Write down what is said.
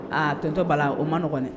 Aa tonton Bala o man nɔgɔn dɛ!